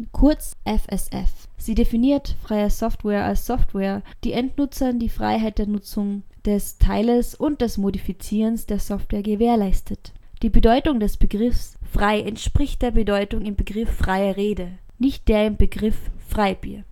kurz FSF). Sie definiert freie Software als Software, die Endnutzern die Freiheiten der Nutzung, des Teilens und des Modifizierens der Software gewährleistet. Die Bedeutung des Begriffs frei entspricht der Bedeutung im Begriff freie Rede, nicht der im Begriff Freibier